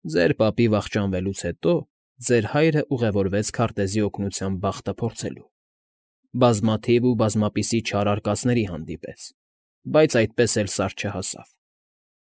Ձեր պապի վախճանվելուց հետո ձեր հայրը ուղևորվեց քարտեզի օգնությամբ բախտը փորձելու. բազմաթիվ ու բազմապիսի չար արկածների հանդիպեց, բայց այդպես էլ Սար չհասավ։